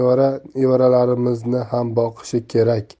nevara evaralarimizni ham boqishi kerak